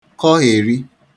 kọgherì